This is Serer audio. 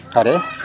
xare